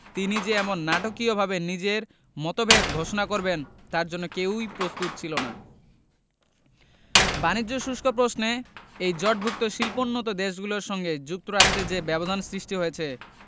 তিনি যে এমন নাটকীয়ভাবে নিজের মতভেদ ঘোষণা করবেন তার জন্য কেউই প্রস্তুত ছিল না বাণিজ্য শুল্ক প্রশ্নে এই জোটভুক্ত শিল্পোন্নত দেশগুলোর সঙ্গে যুক্তরাষ্ট্রের যে ব্যবধান সৃষ্টি হয়েছে